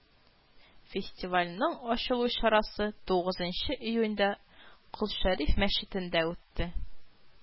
Фестивальнең ачылу чарасы тугызынчы июньдә Кол Шәриф мәчетендә үтте